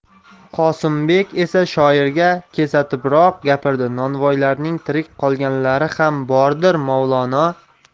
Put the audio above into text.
qosimbek esa shoirga kesatibroq gapirdi novvoylarning tirik qolganlari ham bordir mavlono